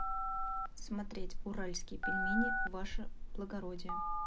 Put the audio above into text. смотреть уральские пельмени ваше благородие